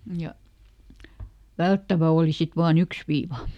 ja välttävä oli sitten vain yksi viiva